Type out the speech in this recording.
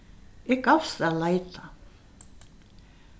eg gavst at leita